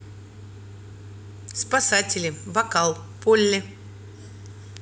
спасатели бокал полли